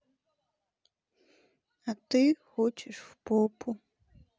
а ты хочешь в попу